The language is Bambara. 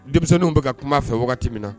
Denmisɛnninw bɛ ka kuma fɛ wagati min na